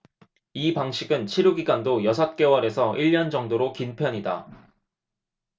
이 방식은 치료 기간도 여섯 개월 에서 일 년 정도로 긴 편이다